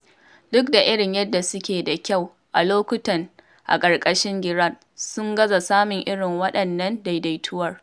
Duk da irin yadda suke da kyau a lokutan a ƙarƙashin Gerrard, sun gaza samun irin wadannan daidaituwar.